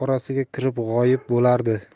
orasiga kirib g'oyib bo'lardi